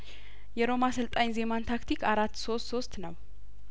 የሮማ አሰልጣኝ ዜማን ታክቲክ አራት ሶስት ሶስት ነው